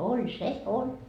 oli se oli